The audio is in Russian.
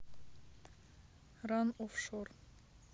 rune офшор